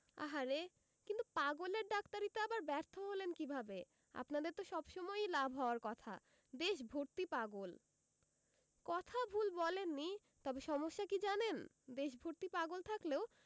আহা রে কিন্তু পাগলের ডাক্তারিতে আবার ব্যর্থ হলেন কীভাবে আপনাদের তো সব সময়ই লাভ হওয়ার কথা দেশভর্তি পাগল... কথা ভুল বলেননি তবে সমস্যা কি জানেন দেশভর্তি পাগল থাকলেও